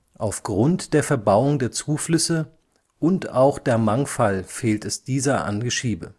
Auf Grund der Verbauung der Zuflüsse und auch der Mangfall fehlt es dieser an Geschiebe